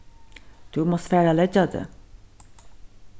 tú mást fara at leggja teg